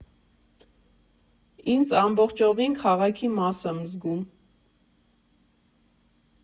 Ինձ ամբողջովին քաղաքի մաս եմ զգում։